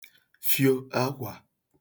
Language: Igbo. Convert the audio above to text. fio akwa